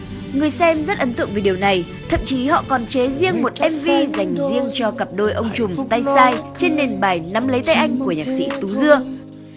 người xem rất ấn tượng về điều này thậm chí họ còn chế riêng một em vi dành riêng cho cặp đôi ông trùm tay sai trên nền bài nắm lấy tay anh của nhạc sĩ tú dưa